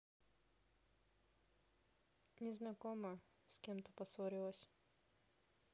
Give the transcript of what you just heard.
незнакомо с кем то поссорилась